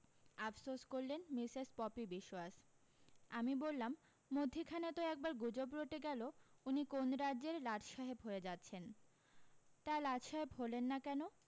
আফসোস করলেন মিসেস পপি বিশোয়াস আমি বললাম মধ্যিখানে তো একবার গুজব রটে গেলো উনি কোন রাজ্যের লাটসাহেব হয়ে যাচ্ছেন তা লাটসাহেব হলেন না কেন